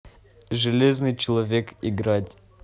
железный человек играть